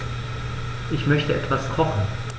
Ich möchte etwas kochen.